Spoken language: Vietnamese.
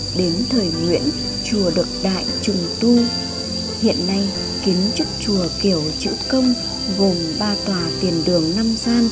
đến thời nguyễn chùa được đại trùng tu hiện nay kiến trúc chùa kiểu chữ công gồm tòa tiền đường gian